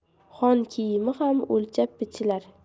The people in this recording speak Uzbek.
xon kiyimi ham o'lchab bichilar